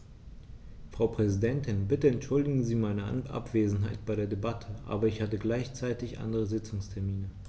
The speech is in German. Frau Präsidentin, bitte entschuldigen Sie meine Abwesenheit bei der Debatte, aber ich hatte gleichzeitig andere Sitzungstermine.